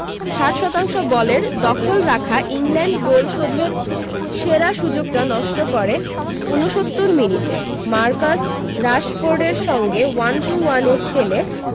৬০ শতাংশ বলের দখল রাখা ইংল্যান্ড গোল শোধের সেরা সুযোগটা নষ্ট করে ৬৯ মিনিটে মার্কাস রাশফোর্ডের সঙ্গে ওয়ান টু ওয়ানে খেলে